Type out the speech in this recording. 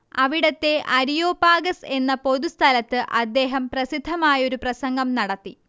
അവിടത്തെ അരിയോപാഗസ് എന്ന പൊതുസ്ഥലത്ത് അദ്ദേഹം പ്രസിദ്ധമായൊരു പ്രസംഗം നടത്തി